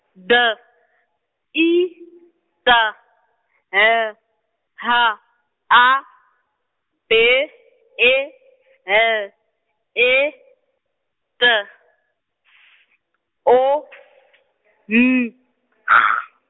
D I T L H A E E L E T S O N G.